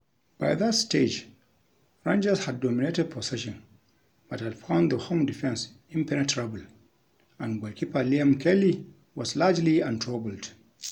By that stage, Rangers had dominated possession but had found the home defense impenetrable and goalkeeper Liam Kelly was largely untroubled,